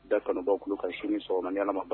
Da kanu b'a kulo kan sini sɔgɔma ni Ala ma